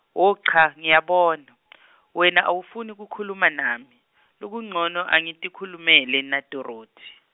wo cha, ngiyabona , wena awufuni kukhuluma nami, lokuncono, angitikhulumele naDorothi.